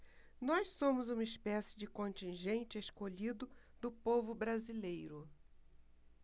nós somos uma espécie de contingente escolhido do povo brasileiro